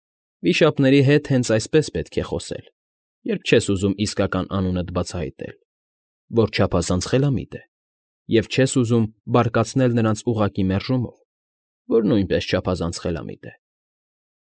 Վիշապների հետ հենց այդպես պետք է խոսես, երբ չես ուզում իսկական անունդ բացահայտել (որ չափազանց խելամիտ է) և չես ուզում բարկացնել նրանց ուղղակի մերժումով (որ նույնպես չափազանց խելամիտ է)։